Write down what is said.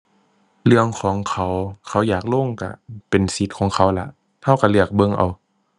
เรื่องของเขา เขาอยากลงก็เป็นสิทธ์ของเขาล่ะ ก็ก็เลือกเบิ่งเอา